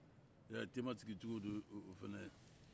e y'a ye tema sigicogo de ye o fana ye